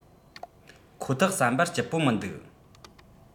ཁོ ཐག བསམ པར སྐྱིད པོ མི འདུག